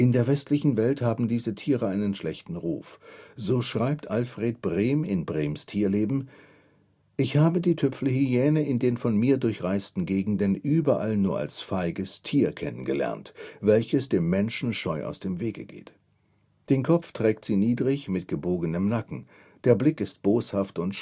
der westlichen Welt haben diese Tiere einen schlechten Ruf. So schreibt Alfred Brehm in Brehms Tierleben: „ Ich habe die Tüpfelhiäne in den von mir durchreisten Gegenden überall nur als feiges Thier kennen gelernt, welches dem Menschen scheu aus dem Wege geht. Den Kopf trägt sie niedrig mit gebogenem Nacken; der Blick ist boshaft und